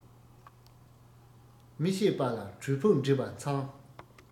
མི ཤེས པ ལ གྲོས ཕུགས འདྲི བ མཚང